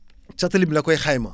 satelite bi la koy xayma